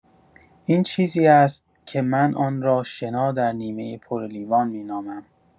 این چیزی است که من آن را «شنا در نیمه پر لیوان» می‌نامم.